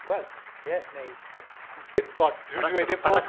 Wel ie, neu hip- hip pod dwi'n mynd i weud e pob...